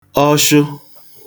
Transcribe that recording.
ọshụ